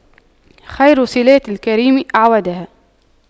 خير صِلاتِ الكريم أَعْوَدُها